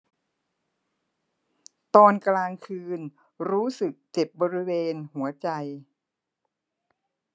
ตอนกลางคือรู้สึกเจ็บบริเวณหัวใจ